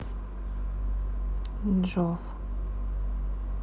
jove